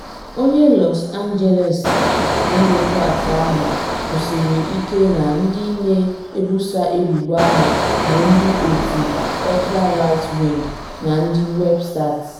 Onye Los Angeles Demokrat ahụ kwusiri ike na ndị na-ebusa ebubo ahụ bụ ndị otu “ultra-right wing” na ndị websaịtị.